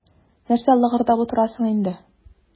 Нәрсә лыгырдап утырасың инде.